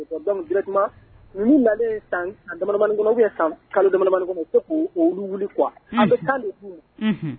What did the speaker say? San san kalo kolu wili kuwa bɛ tan de